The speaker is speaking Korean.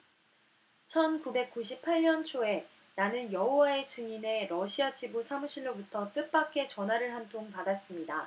천 구백 구십 팔 년 초에 나는 여호와의 증인의 러시아 지부 사무실로부터 뜻밖의 전화를 한 통 받았습니다